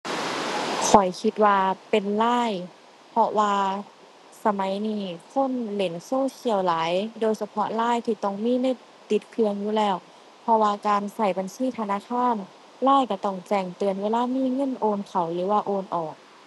ข้อยคิดว่าเป็น LINE เพราะว่าสมัยนี้คนเล่นโซเชียลหลาย โดยเฉพาะ LINE ที่ต้องมีใน ติดเครื่องอยู่แล้ว เพราะว่าการใช้บัญชีธนาคาร LINE ใช้ต้องแจ้งเตือนเวลามีเงินโอนเข้าหรือว่าโอนออก